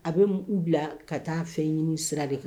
A bɛ u bila ka taa fɛn ɲini sira de kan